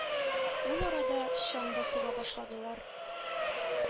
Ул арада чаң да суга башладылар,